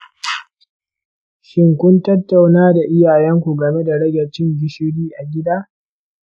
shin kun tattauna da iyalinku game da rage cin gishiri a gida?